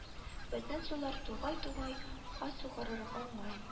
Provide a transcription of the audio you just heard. Безнең сулар тугай-тугай ат сугарырга уңай